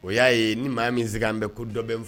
O y'a ye ni maa min sɛgɛn an bɛ ko dɔbɛn fɔ